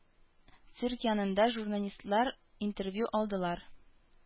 Цирк янында журналистлар интервью алдылар.